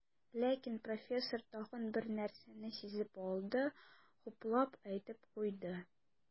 Ләкин профессор тагын бер нәрсәне сизеп алды, хуплап әйтеп куйды.